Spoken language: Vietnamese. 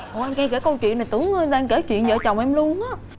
ủa nghe kể câu chuyện này tưởng đang kể chuyện vợ chồng em luôn á